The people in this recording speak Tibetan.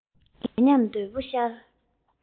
རྒས ཉམས དོད པོ ཤར